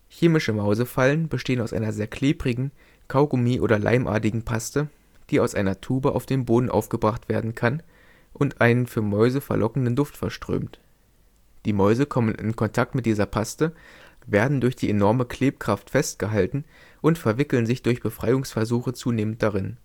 Chemische Mausefallen bestehen aus einer sehr klebrigen, kaugummi - oder leimartigen Paste, die aus einer Tube auf den Boden aufgebracht werden kann und einen für Mäuse verlockenden Duft verströmt. Die Mäuse kommen in Kontakt mit dieser Paste, werden durch die enorme Klebkraft festgehalten und verwickeln sich durch Befreiungsversuche zunehmend darin